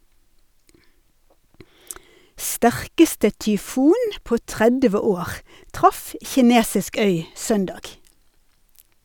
Sterkeste tyfon på 30 år traff kinesisk øy søndag.